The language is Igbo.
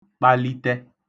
kpali(tẹ)